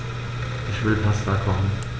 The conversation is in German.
Ich will Pasta kochen.